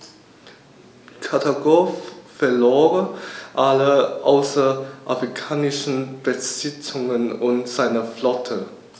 Karthago verlor alle außerafrikanischen Besitzungen und seine Flotte.